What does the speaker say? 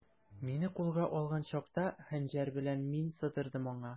Мине кулга алган чакта, хәнҗәр белән мин сыдырдым аңа.